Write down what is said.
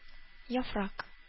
Яфрак